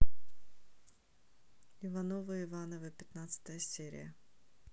ивановы ивановы пятнадцатая серия